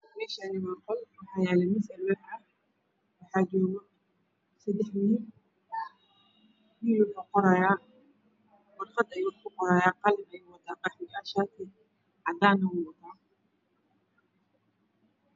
Meeshani waa qol waxaa yaalo miis alwaax ah waxaa joogo sadex wiil wiil wax ayuu qorayaa warqad ayuu wax ku qoraayaa qalin ayuu wataa qaxwi ah shaati cadaan ah ayuu wataa